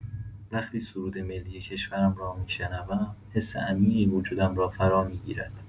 وقتی سرود ملی کشورم را می‌شنوم، حس عمیقی وجودم را فرامی‌گیرد.